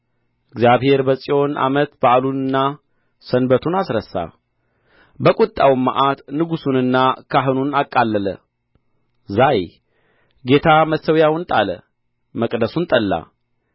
እግዚአብሔር በጽዮን ዓመት በዓሉንና ሰንበቱን አስረሳ በቍጣውም መዓት ንጉሡንና ካህኑን አቃለለ ዛይ ጌታ መሠዊያውን ጣለ መቅደሱን ጠላ